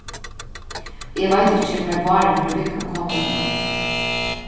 eg veit ikki hvar bára fer at búgva komandi ár